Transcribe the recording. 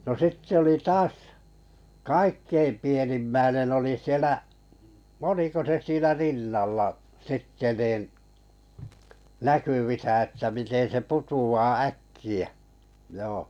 no sitten oli taas kaikkein pienimmäinen oli siellä oliko se siinä rinnalla sitten niin näkyvissä että miten se putoaa äkkiä joo